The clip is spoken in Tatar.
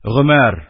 Гомәр